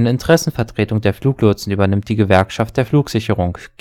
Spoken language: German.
Interessenvertretung der Lotsen übernimmt die Gewerkschaft der Flugsicherung (GdF